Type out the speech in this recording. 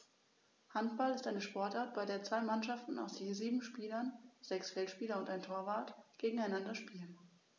Handball ist eine Sportart, bei der zwei Mannschaften aus je sieben Spielern (sechs Feldspieler und ein Torwart) gegeneinander spielen.